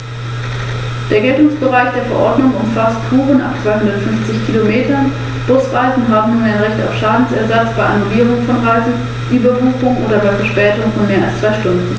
Angesichts der Herausforderung der Globalisierung und der Osterweiterung bedarf Europa meines Erachtens in den nächsten Jahren für die Programmplanung und die Wiederankurbelung seiner Wirtschaft mehr denn je angemessener und exakter Vorgaben.